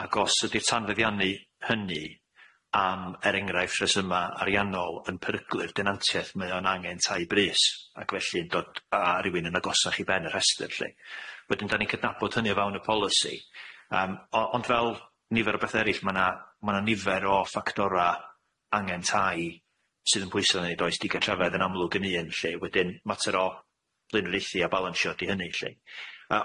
Ag os ydi'r tanfeddiannu hynny am er enghraifft rhesyma ariannol yn peryglu'r denantiaeth mae o'n angen tai brys ac felly'n dod a rywun yn agosach i ben y rhestyr lly, wedyn dan ni'n cydnabod hynny o fewn y polisi yym o- ond fel nifer o bethe eryll ma' na ma' na nifer o ffactora angen tai sydd yn pwysa arna ni'n does digatrafedd yn amlwg yn un lly wedyn mater o flynyddeithu a balansio ydi hynny lly.